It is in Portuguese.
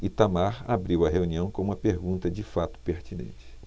itamar abriu a reunião com uma pergunta de fato pertinente